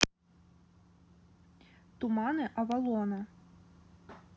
туманы авалона